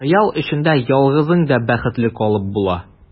Хыял эчендә ялгызың да бәхетле калып була.